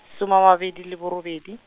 some a mabedi le borobedi.